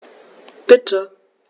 Bitte.